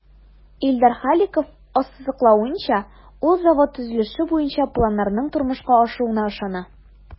Илдар Халиков ассызыклавынча, ул завод төзелеше буенча планнарның тормышка ашуына ышана.